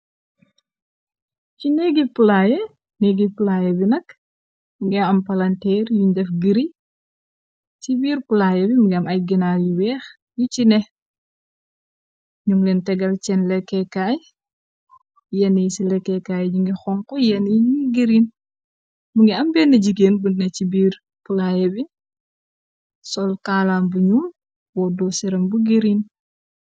Ci neggi playe neggi playe bi nag mngi am palanteer yuñ def giri ci biir pulaaye bi mu ngi am ay ginaaw yu weex yu ci ne num leen tegal cenn lekkekaay yenn yi ci lekkekaay ji ngi xoŋko yenn yi ñiy giriin mu ngi am benn jigéen bu na ci biir pulaaye bi sol kaalam buñu booddo seram bu giriin.